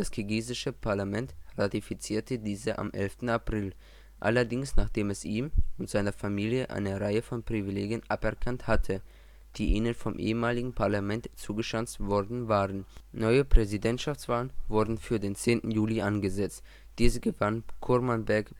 kirgisische Parlament ratifizierte diese am 11. April, allerdings nachdem es ihm und seiner Familie eine Reihe von Privilegien aberkannt hatte, die ihnen vom ehemaligen Parlament zugeschanzt worden waren. Neue Präsidentschaftswahlen wurden für den 10. Juli angesetzt. Diese gewann Kurmanbek